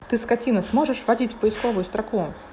ты скотина сможешь вводить в поисковую строку